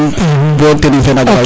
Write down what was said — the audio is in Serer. jam bo teniŋ fe na gara